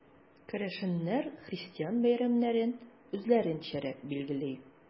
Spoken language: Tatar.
Керәшеннәр христиан бәйрәмнәрен үзләренчәрәк билгели.